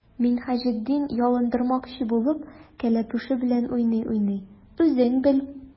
Минһаҗетдин, ялындырмакчы булып, кәләпүше белән уйный-уйный:— Үзең бел!